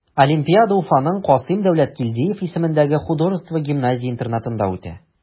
Олимпиада Уфаның Касыйм Дәүләткилдиев исемендәге художество гимназия-интернатында үтә.